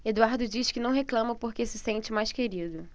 eduardo diz que não reclama porque se sente o mais querido